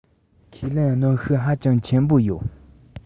ཁས ལེན གནོན ཤུགས ཧ ཅང ཆེན པོ ཡིན